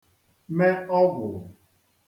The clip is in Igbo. me ọgwụ̀